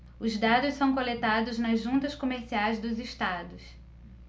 os dados são coletados nas juntas comerciais dos estados